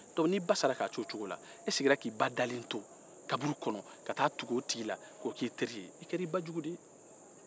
n'i ba sara o cogo la e seginna k'i ba dalen to kaburu kɔnɔ ka taa tugu o tigi i kɛra i ba jugu de ye